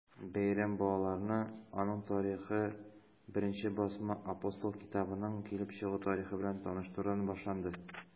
Бәйрәм балаларны аның тарихы, беренче басма “Апостол” китабының килеп чыгу тарихы белән таныштырудан башланды.